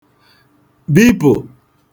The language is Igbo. bipụ̀